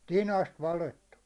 tinasta valettu